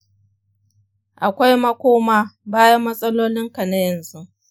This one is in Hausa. akwai makoma bayan matsalolinka na yanzu.